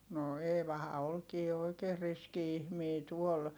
no Eevahan olikin oikein riski ihminen tuolla